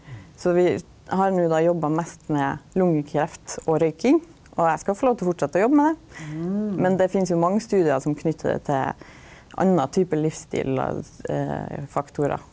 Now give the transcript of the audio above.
så vi har no då jobba mest med lungekreft og røyking og eg skal få lov til å fortsetta å jobba med det, men det finst jo mange studiar som knyter det til anna type livsstilsfaktorar.